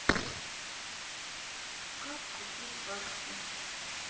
как купить баксы